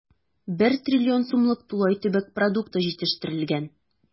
1 трлн сумлык тулай төбәк продукты җитештерелгән.